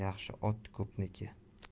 yaxshi ot ko'pniki